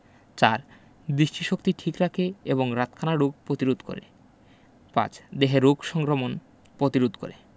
৪ দৃষ্টিশক্তি ঠিক রাখে এবং রাতকানা রোগ প্রতিরোধ করে ৫ দেহে রোগ সংক্রমণ প্রতিরোধ করে